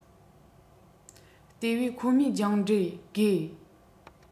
དེ བས ཁོ མོའི སྦྱངས འབྲས དགོས